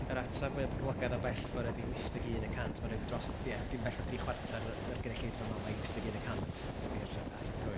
Yr ateb mwya poblogaidd a bell ffor' ydy {wyth deg un} y cant. Ma ryw dros... ia dim bell o dri chwarter y gynulleidfa yn meddwl mai {wyth deg un} y cant ydy'r ateb cywir.